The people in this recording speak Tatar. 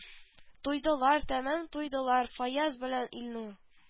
Туйдылар тәмам туйдылар фаяз белән илнур